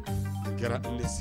A kɛra i sigi